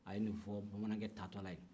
a ye nin fɔ bamanankɛ taatɔla ye